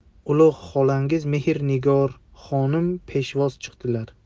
ulug' xolangiz mehr nigor xonim peshvoz chiqdilar